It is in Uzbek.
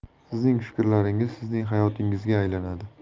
sizning fikrlaringiz sizning hayotingizga aylanadi